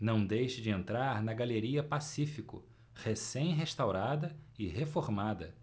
não deixe de entrar na galeria pacífico recém restaurada e reformada